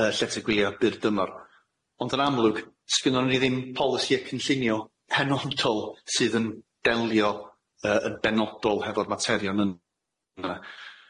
yy llety gwylio byr dymor ond yn amlwg sgynnon ni ddim polisie cynllunio penodol sydd yn delio yy yn benodol hefo'r materion yn yna.